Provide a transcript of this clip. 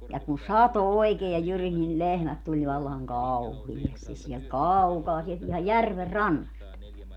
ja kun satoi oikein ja jyrisi niin lehmät tuli vallan kauheasti sieltä kaukaa sieltä ihan järven rannasta